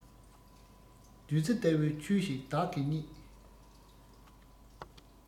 བདུད རྩི ལྟ བུའི ཆོས ཤིག བདག གིས རྙེད